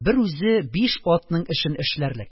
Бер үзе биш атның эшен эшләрлек.